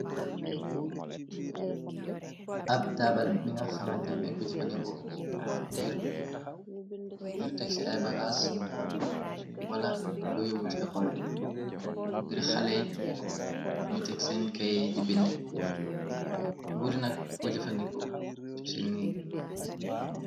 Ab taabal bi nga xamantenne, ko jëfaningoo ngir taxi ay bagaas, wala go yebbu ci ecol, ngir xaleey ñuy teg seen kaye di bind, buri nak ko jëfaniko su seni gi